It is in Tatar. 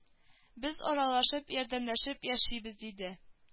Без аралашып ярдәмләшеп яшибез диде